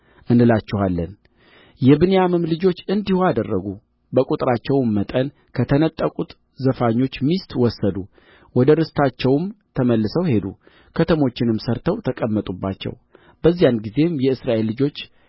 እንላችኋለን የብንያምም ልጆች እንዲሁ አደረጉ በቍጥራቸውም መጠን ከተነጠቁት ዘፋኞች ሚስት ወሰዱ ወደ ርስታቸውም ተመልሰው ሄዱ ከተሞችንም ሠርተው ተቀመጡባቸው በዚያን ጊዜም የእስራኤል ልጆች